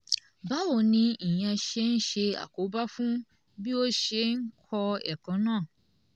Báwo ni ìyẹn ṣe ń ṣe àkóbá fún bí o ṣe ń kọ́ ẹ̀kọ́ náà?